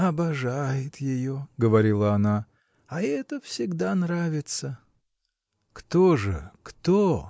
— Обожает ее, — говорила она, — а это всегда нравится. Кто же, кто?